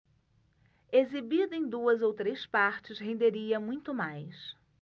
exibida em duas ou três partes renderia muito mais